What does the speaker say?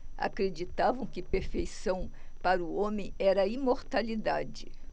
acreditavam que perfeição para o homem era a imortalidade